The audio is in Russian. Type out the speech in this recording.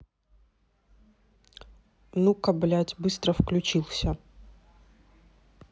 ну ка блять быстро включился